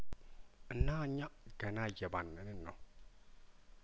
እና እኛ ገና እየባነንን ነው